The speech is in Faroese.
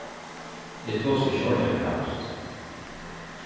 eg tosi ikki ordiliga franskt